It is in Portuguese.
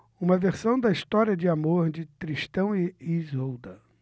uma versão da história de amor de tristão e isolda